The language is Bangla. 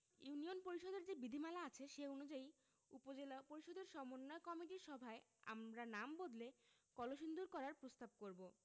ইউনিয়ন পরিষদের যে বিধিমালা আছে সে অনুযায়ী উপজেলা পরিষদের সমন্বয় কমিটির সভায় আমরা নাম বদলে কলসিন্দুর করার প্রস্তাব করব